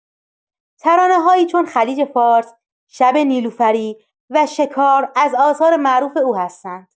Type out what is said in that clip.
ترانه‌هایی چون «خلیج‌فارس»، «شب نیلوفری» و «شکار» از آثار معروف او هستند.